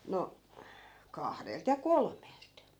no kahdelta ja kolmelta